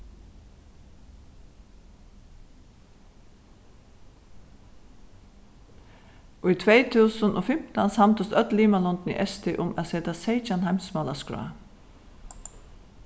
í tvey túsund og fimtan samdust øll limalondini í st um at seta seytjan heimsmál á skrá